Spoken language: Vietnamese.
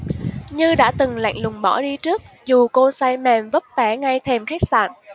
như đã từng lạnh lùng bỏ đi trước dù cô say mèm vấp té ngay thềm khách sạn